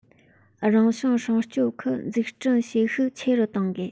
རང བྱུང སྲུང སྐྱོང ཁུལ འཛུགས སྐྲུན བྱེད ཤུགས ཆེ རུ གཏོང དགོས